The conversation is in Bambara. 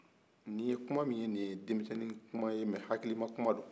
nin ye kuma ye ni ye denmisɛnin kuma ye nka hakilima kuma don